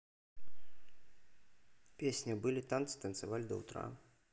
песня были танцы танцевали до утра